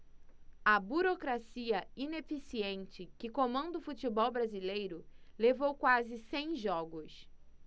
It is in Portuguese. a burocracia ineficiente que comanda o futebol brasileiro levou quase cem jogos